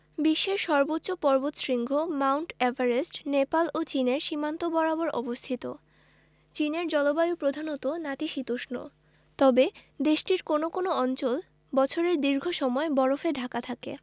বিশ্বের সর্বোচ্চ পর্বতশৃঙ্গ মাউন্ট এভারেস্ট নেপাল ও চীনের সীমান্ত বরাবর অবস্থিত চীনের জলবায়ু প্রধানত নাতিশীতোষ্ণ তবে দেশটির কোনো কোনো অঞ্চল বছরের দীর্ঘ সময় বরফে ঢাকা থাকে